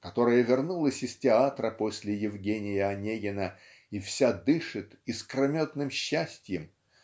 которая вернулась из театра после "Евгения Онегина" и вся дышит искрометным счастьем